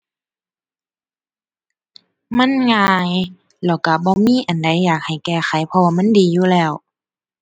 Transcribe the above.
มันง่ายแล้วก็บ่มีอันใดอยากให้แก้ไข เพราะว่ามันดีอยู่แล้ว